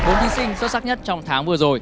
bốn thí sinh xuất sắc nhất trong tháng vừa rồi